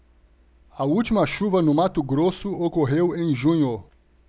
a última chuva no mato grosso ocorreu em junho